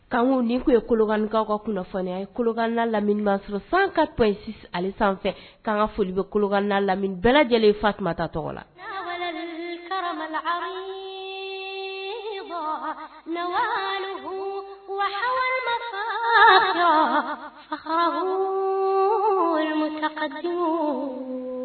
Kan ni tun ye kolokanikaw ka kunnafoni ye kolokanda lamini sɔrɔ san ka to ali k' ka foli bɛ kolokan lam bɛɛ lajɛlen fatumata tɔgɔ la